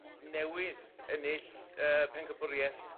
newydd ennill y pencampwrieth